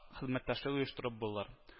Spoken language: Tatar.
Хезмәттәшлек оештырып булыр